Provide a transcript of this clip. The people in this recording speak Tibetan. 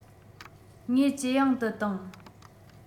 ངེས ཇེ ཡང དུ བཏང